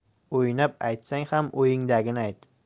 o'ynab aytsang ham o'yingdagini ayt